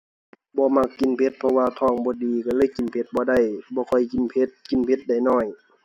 บ่มักกินเผ็ด เพราะว่าท้องบ่ดี ก็เลยกินเผ็ดบ่ได้ บ่ค่อยกินเผ็ด กินเผ็ดได้น้อย